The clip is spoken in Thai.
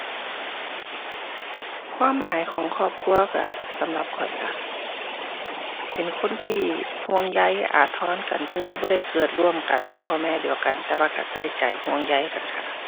ความหมายของครอบครัวก็ สำหรับข้อยก็ เป็นคนที่ห่วงใย อาทรกัน ถึงสิบ่ได้เกิดร่วมกัน พ่อแม่เดียวกัน แต่ว่าก็ใส่ใจ ห่วงใยกันค่ะ